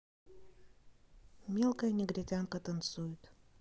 мелкая негритянка танцует